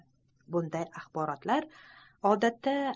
bunday axborotlar odatda